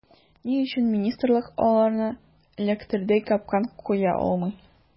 Ни өчен министрлык аларны эләктерердәй “капкан” куя алмый.